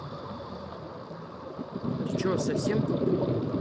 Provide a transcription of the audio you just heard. ты чего совсем куку